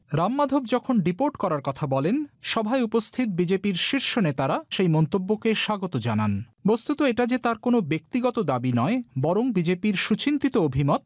রাম মাধব যখন ডিপোর্ট করার কথা বলেন সভায় উপস্থিত বিজেপির শীর্ষ নেতারা মন্তব্য কে স্বাগত জানান বস্তুত এটা যে তার কোন ব্যক্তিগত দাবি নয় বরং বিজেপির সুচিন্তিত অভিমত